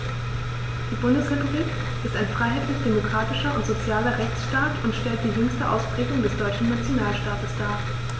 Die Bundesrepublik ist ein freiheitlich-demokratischer und sozialer Rechtsstaat und stellt die jüngste Ausprägung des deutschen Nationalstaates dar.